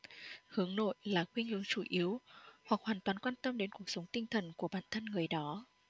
hướng nội là khuynh hướng chủ yếu hoặc hoàn toàn quan tâm đến cuộc sống tinh thần của bản thân người đó